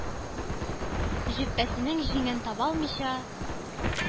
Җөббәсенең җиңен таба алмыйча,